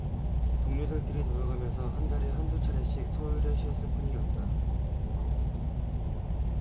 동료들끼리 돌아가면서 한 달에 한 두 차례씩 토요일에 쉬었을 뿐이었다